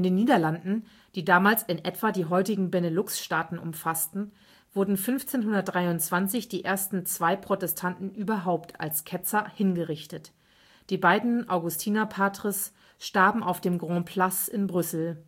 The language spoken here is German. Niederlanden - die damals in etwa die heutigen Benelux-Staaten umfassten - wurden 1523 die ersten zwei Protestanten überhaupt als Ketzer hingerichtet: Die beiden Augustinerpatres starben auf dem Grand Place in Brüssel